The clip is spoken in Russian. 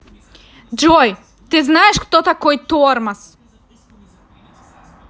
джой ты знаешь кто такой тормоз